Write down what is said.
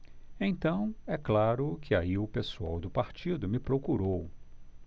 então é claro que aí o pessoal do partido me procurou